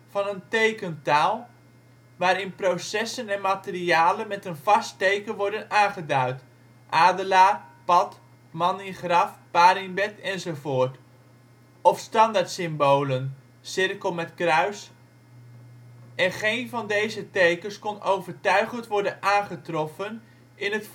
van een tekentaal, waarin processen en materialen met een vast teken worden aangeduid (adelaar, pad, man-in-graf, paar-in-bed enzovoort) of standaardsymbolen (cirkel-met-kruis) en geen van deze tekens kon overtuigend worden aangetroffen in het